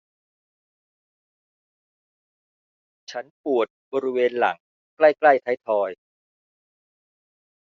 ฉันปวดบริเวณหลังใกล้ใกล้ท้ายทอย